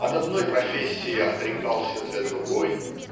от одной профессии отрекался для другой